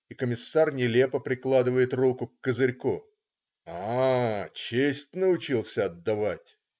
"- и комиссар нелепо прикладывает руку к козырьку. "А, честь научился отдавать!.